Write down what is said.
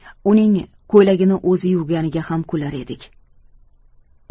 uning ko'ylagini o'zi yuvganiga ham kular edik